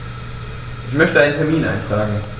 Ich möchte einen Termin eintragen.